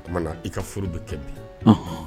O ma na i ka furu be kɛ di ɔnhɔn